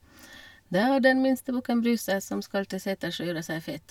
Det er den minste bukken Bruse, som skal til seters og gjøre seg fet.